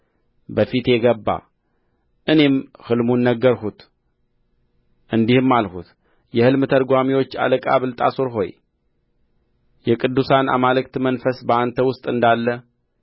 በፊቴ ገባ እኔም ሕልሙን ነገርሁት እንዲህም አልሁት የሕልም ተርጓሚዎች አለቃ ብልጣሶር ሆይ የቅዱሳን አማልክት መንፈስ በአንተ ውስጥ እንዳለ